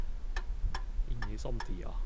Inn i samtida.